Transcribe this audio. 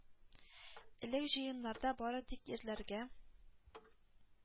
Элек җыеннарда бары тик ирләргә,